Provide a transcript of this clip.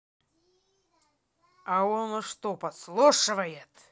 а он что у нас подслушивает